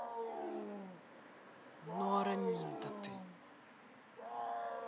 ну араминта ты